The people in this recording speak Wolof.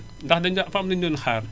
ndax dañu doon dafa ma luñu doon xaar